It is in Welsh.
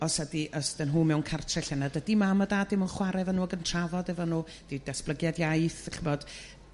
os ydi... Os 'dyn nhw mewn cartre' lla nad ydi mam o dad dim yn chware efo nhw ac yn trafod efo nhw dyw datblygiad iaith d'ch'bod